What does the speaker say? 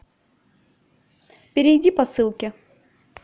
перейди по ссылке